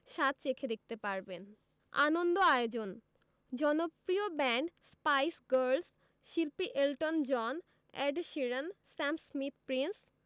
স্বাদ চেখে দেখতে পারবেন আনন্দ আয়োজন জনপ্রিয় ব্যান্ড স্পাইস গার্লস শিল্পী Elton John Ed Sheeran Sam Smith Prince